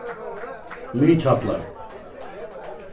miðhjallar